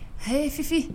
Afi